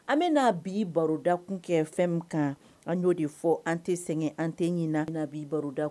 An bɛ n'a bi baroda kun kɛ fɛn min kan an'o de fɔ an tɛ sɛgɛn an tɛ ɲin n baroda kun